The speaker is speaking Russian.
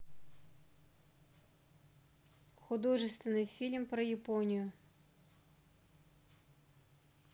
художественный фильм про японию